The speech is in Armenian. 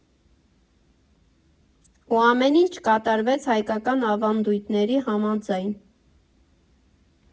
Ու ամեն ինչ կատարվեց հայկական ավանդույթների համաձայն։